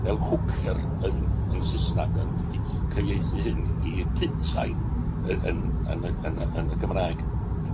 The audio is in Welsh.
fel hwcyr yn yn Sysnag, ond 'di cyfieithu hyn i putain yy yn yn y yn y yn y Gymraeg.